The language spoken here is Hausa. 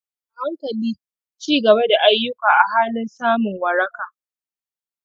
a hankali cigaba da ayukka a halin samun waraka